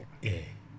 eyyi